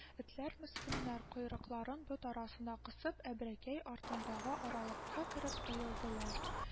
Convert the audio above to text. Этләр, мескеннәр, койрыкларын бот арасына кысып, әбрәкәй артындагы аралыкка кереп өелделәр